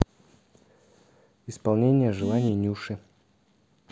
исполнение желаний нюши